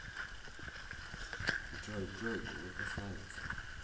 джой джой ты меня красавица